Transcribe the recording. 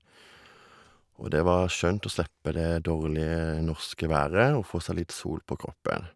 Og det var skjønt å slippe det dårlige norske været og få seg litt sol på kroppen.